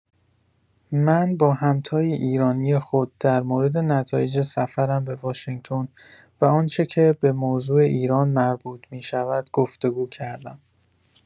من با همتای ایرانی خود در مورد نتایج سفرم به واشنگتن و آنچه که به موضوع ایران مربوط می‌شود، گفت‌وگو کردم.